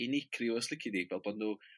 unigriw os lici 'di fel bo' nhw